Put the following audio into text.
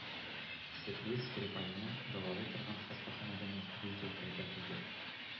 Сергей Скрипальне дәвалый торган хастаханәдән видео пәйда булды.